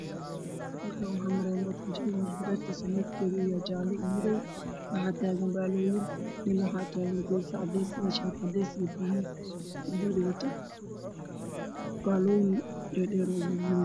Halkaan wax maraayo mooto bajaaj moota bajaajtaas oo midabkeedu yahy jaalo